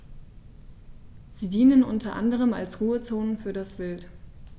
Sie dienen unter anderem als Ruhezonen für das Wild.